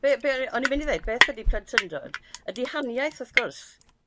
Be' be' o' r-... O'n i myn' i ddeud beth ydi plentyndod ydi haniaeth wrth gwrs.